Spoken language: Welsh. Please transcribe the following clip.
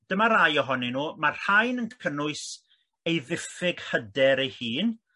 dyma rai ohonyn n'w ma' rhain yn cynnwys ei ddiffyg hyder ei hun